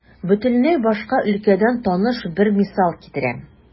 Бөтенләй башка өлкәдән таныш бер мисал китерәм.